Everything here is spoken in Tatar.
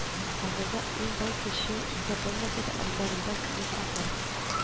Авылда иң бай кеше исәпләнмәсә дә, абзарында сигез аты